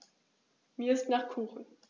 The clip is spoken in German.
Mir ist nach Kuchen.